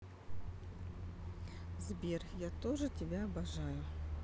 сбер я тоже тебя обожаю